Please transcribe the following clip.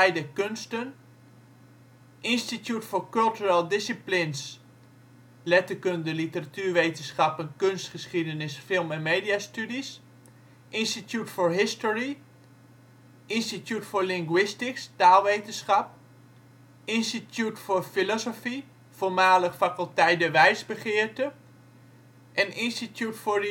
der Kunsten) Institute for Cultural Disciplines (letterkunde, literatuurwetenschappen, kunstgeschiedenis, film - en mediastudies) Institute for History Institute for Linguïstics (taalwetenschap) Institute for Philosophy (voormalig Faculteit der Wijsbegeerte) Institute for